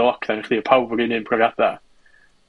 ...pawb sydd yn lockdown 'fo chdi, odd pawb yr un un profiada.